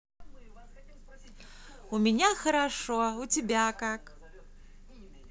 у меня хорошо у тебя как